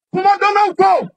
Sirajɛba tɛ